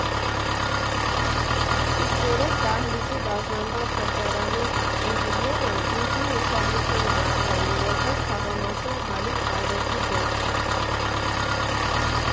Իսկ երեք դահլիճի բաժանված սրճարանի ինտերիերն ինքնին ուշադրության է արժանի՝ որպես թաղամասին հարիր արվեստի գործ։